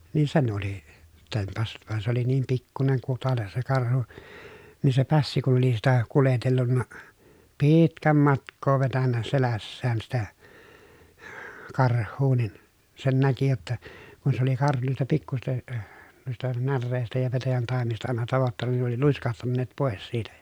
niin sen oli tempaissut vaan se oli niin pikkuinen kutale se karhu niin se pässi kun oli sitä kuljetellut pitkän matkaa vetänyt selässään sitä karhua niin sen näki jotta kun se oli karhu noista pikkuisista noista näreistä ja petäjäntaimista aina tavoittanut niin ne oli luiskahtaneet pois siitä ja